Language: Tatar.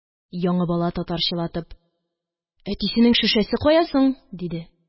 Яңы бала, татарчалатып: – Әтисенең шешәсе кая соң? – диде.